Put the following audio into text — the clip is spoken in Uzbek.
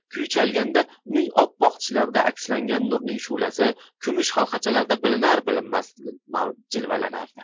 kuy chalganda uning oppoq tishlarida akslangan nurning shu'lasi kumush halqachalarda bilinar bilinmas jilvalanardi